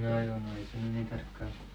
no joo ei se nyt niin tarkkaa ole